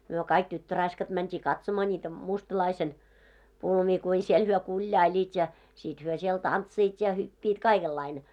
me kaikki tyttöraiskat mentiin katsomaan niitä mustalaisen pulmia kuinka siellä he kuljailivat ja sitten he siellä tanssivat ja hyppivät kaikenlainen